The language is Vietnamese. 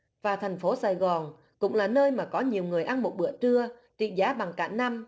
và thành phố sài gòn cũng là nơi mà có nhiều người ăn một bữa trưa trị giá bằng cả năm